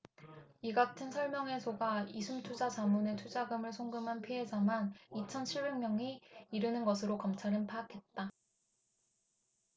이 같은 설명에 속아 이숨투자자문에 투자금을 송금한 피해자만 이천 칠백 명이 이르는 것으로 검찰은 파악했다